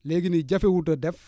léegi nii jafewut a def